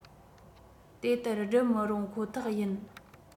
དེ ལྟར བསྒྲུབ མི རུང ཁོ ཐག ཡིན